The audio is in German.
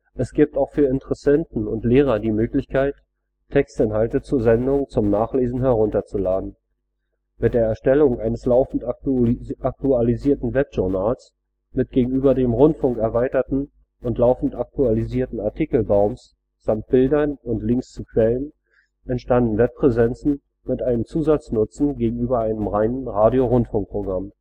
Es gibt auch für Interessenten und Lehrer die Möglichkeit Textinhalte zur Sendung zum Nachlesen herunterzuladen. Mit der Erstellung eines laufend aktualisierten Webjournals mit gegenüber dem Rundfunk erweiterten und laufend aktualisierten Artikelbaums samt Bildern und Links zu Quellen entstanden Webpräsenzen mit einem Zusatznutzen gegenüber einem reinen Radio-Rundfunkprogramm